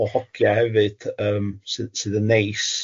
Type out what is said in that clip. ...o hogia hefyd yym sy- sydd yn neis.